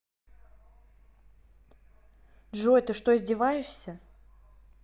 джой ты что издеваешься